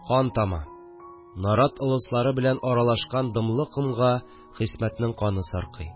Кан тама, нарат ылыслары белән аралашкан дымлы комга Хисмәтнең каны саркый